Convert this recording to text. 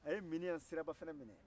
a ye miniɲan siraba fana minɛ